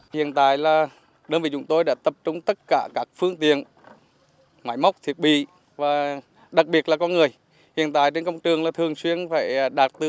hiện tại là đơn vị chúng tôi đã tập trung tất cả các phương tiện máy móc thiết bị và đặc biệt là con người hiện tại trên công trường là thường xuyên phải đạt từ